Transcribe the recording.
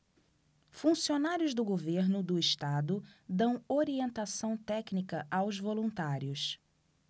funcionários do governo do estado dão orientação técnica aos voluntários